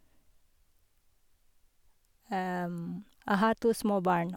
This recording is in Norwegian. Jeg har to små barn.